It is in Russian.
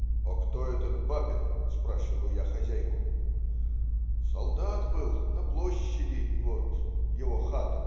"А кто этот Бабин?" - спрашиваю я хозяйку. "Солдат был. На площади, вот его хата".